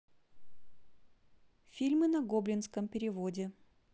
фильмы на гоблинском переводе